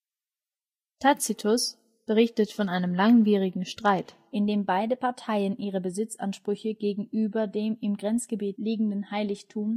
berichtet von einem langwierigen Streit, in dem beide Parteien ihre Besitzansprüche gegenüber dem im Grenzgebiet liegenden Heiligtum der Artemis Limnatis geltend